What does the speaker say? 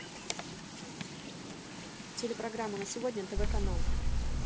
телепрограмма на сегодня нтв канал